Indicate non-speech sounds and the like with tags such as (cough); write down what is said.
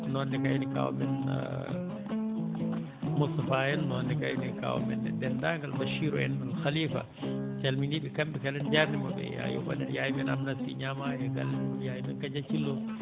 noon ne kayne kaawu men (hesitation) Moustapha en noon ne kayne kaawu men e denndaangal Bassirou en haliifa en calminii ɓe kamɓe kala en jaarniima ɓe e yaye men Aminata Sy * yaye Kadia Thillo